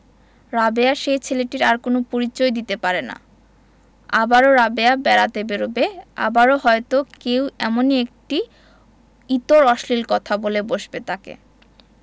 রাবেয়া সেই ছেলেটির আর কোন পরিচয় দিতে পারে না আবারও রাবেয়া বেড়াতে বেরুবে আবারো হয়তো কেউ এমনি একটি ইতর অশ্লীল কথা বলে বসবে তাকে